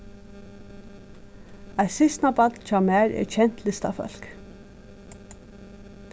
eitt systkinabarn hjá mær er kent listafólk